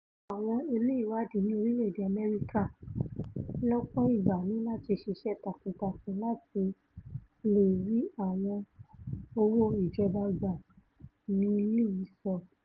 Àwọn oní-ìwáàdí ní orílẹ̀-èdè U.S. lọ́pọ̀ ìgbà ní láti ṣiṣẹ́ takun-takun láti leè rí àwọn owó ìjọba gbà, ni Lee sọ.